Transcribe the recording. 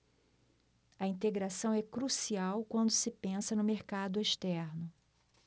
a integração é crucial quando se pensa no mercado externo